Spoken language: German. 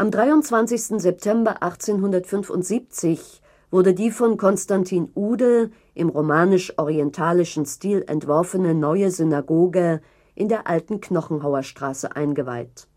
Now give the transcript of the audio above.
23. September 1875 wurde die von Constantin Uhde im romanisch-orientalischen Stil entworfene „ Neue Synagoge “in der Alten Knochenhauerstraße eingeweiht